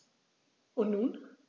Und nun?